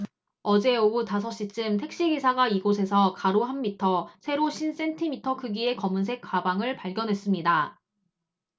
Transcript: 어제 오후 다섯 시쯤 택시기사가 이곳에서 가로 한 미터 세로 쉰 센티미터 크기의 검은색 가방을 발견했습니다